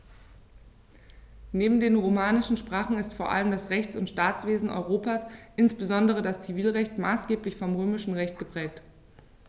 Neben den romanischen Sprachen ist vor allem das Rechts- und Staatswesen Europas, insbesondere das Zivilrecht, maßgeblich vom Römischen Recht geprägt.